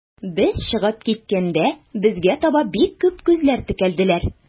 Без чыгып киткәндә, безгә таба бик күп күзләр текәлделәр.